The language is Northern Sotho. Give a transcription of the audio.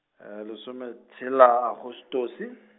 lesome tshela Agostose.